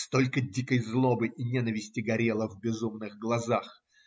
столько дикой злобы и ненависти горело в безумных глазах.